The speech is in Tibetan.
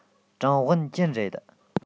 ཀྲང ཝུན ཅུན རེད